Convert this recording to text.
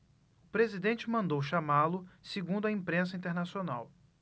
o presidente mandou chamá-lo segundo a imprensa internacional